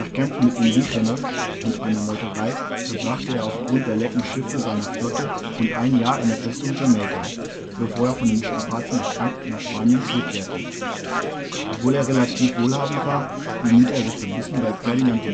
Kämpfen mit Indigenas und einer Meuterei verbrachte er aufgrund der lecken Schiffe seiner Flotte rund ein Jahr in der Festung Jamaika, bevor er von den Strapazen erkrankt nach Spanien zurückkehrte. Obwohl er relativ wohlhabend war, bemühte er sich verbissen bei Ferdinand